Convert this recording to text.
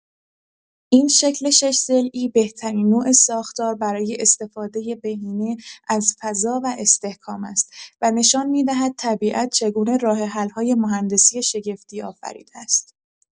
این شکل شش‌ضلعی بهترین نوع ساختار برای استفاده بهینه از فضا و استحکام است و نشان می‌دهد طبیعت چگونه راه‌حل‌های مهندسی شگفتی آفریده است.